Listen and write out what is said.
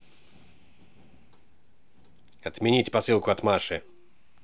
отменить посылку от маши